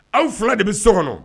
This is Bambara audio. Aw fila de bɛ so kɔnɔ